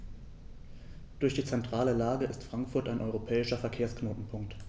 Durch die zentrale Lage ist Frankfurt ein europäischer Verkehrsknotenpunkt.